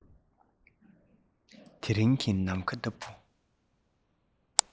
དེ རིང གི ནམ མཁའ ལྟ བུ